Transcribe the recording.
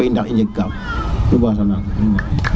indax in njeng kaaw nu mbasa naam